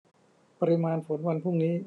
ปริมาณฝนวันพรุ่งนี้